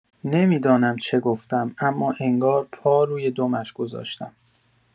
نمی‌دانم چه گفتم، اما انگار پا روی دمش گذاشتم!